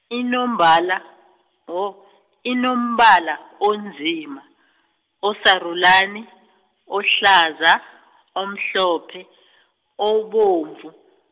inombala, oh- inombala onzima, osarulani, ohlaza, omhlophe , obomvu.